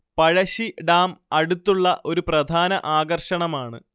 Pazhassi dam അടുത്തുള്ള ഒരു പ്രധാന ആകർഷണമാണ്